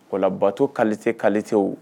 Walabato kalilete kalilete o